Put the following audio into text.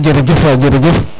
jerejef waay jefejef